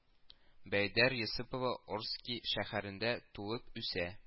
Бәйдәр Йосыпова Орски шәһәрендә тулып үсә